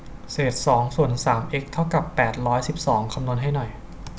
เศษสองส่วนสามเอ็กซ์เท่ากับแปดร้อยสิบสองคำนวณให้หน่อย